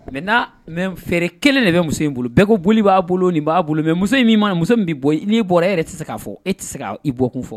Mɛ n'a mɛ fɛ kelen de bɛ muso in bolo bɛɛ ko boli b'a bolo nin b'a bolo mɛ muso in min muso min bɛ bɔ n'i bɔra e yɛrɛ tɛ se' fɔ e tɛ se' bɔ fɔ